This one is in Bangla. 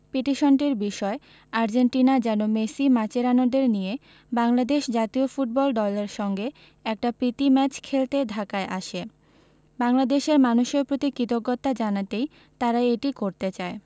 পিটিশনটির বিষয় আর্জেন্টিনা যেন মেসি মাচেরানোদের নিয়ে বাংলাদেশ জাতীয় ফুটবল দলের সঙ্গে একটা প্রীতি ম্যাচ খেলতে ঢাকায় আসে বাংলাদেশের মানুষের প্রতি কৃতজ্ঞতা জানাতেই তারা এটি করতে চায়